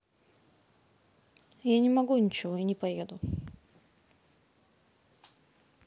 я не могу ничего не поеду